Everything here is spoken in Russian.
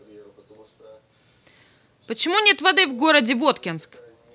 почему нет воды в городе воткинск